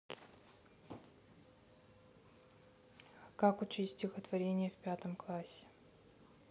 как учить стихотворение в пятом классе